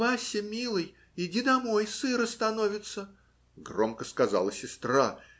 - Вася, милый, иди домой, сыро становится, - громко сказала сестра.